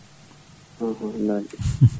wallay